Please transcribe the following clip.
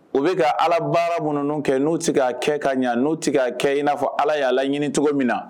O bɛka ka ala baara minnu kɛ n'u sigi a kɛ ka ɲɛ n'u tigɛ a kɛ in n'a fɔ ala y'a la ɲini cogo min na